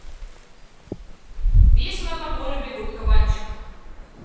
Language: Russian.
весело по полю бегут кабанчик